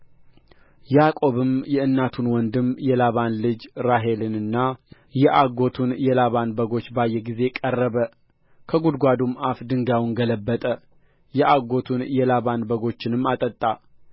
ያዕቆብም የእናቱን ወንድም የላባን ልጅ ራሔልንና የእጎቱን የላባን በጎች ባየ ጊዜ ቀረበ ከጕድጓዱም አፍ ድንጋዩን ገለበጠ የአጎቱን የላባን በጎችንም አጠጣ